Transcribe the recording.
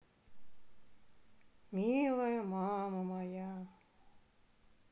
милая мама моя